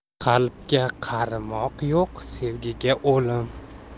qalbga qarimoq yo'q sevgiga o'lim